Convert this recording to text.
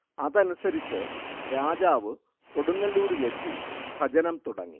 അതനുസരിച്ച് രാജാവ് കൊടുങ്ങല്ലൂരിലെത്തി ഭജനം തുടങ്ങി